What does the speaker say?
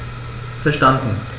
Verstanden.